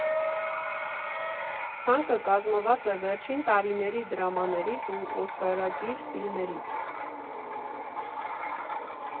Ցանկը կազմված է վերջին տարիների դրամաներից ու օսկարակիր ֆիլմերից։